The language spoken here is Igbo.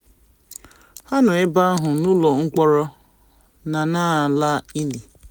Ha nọ ebe ahụ: N'ụlọ mkpọrọ na na ala ili.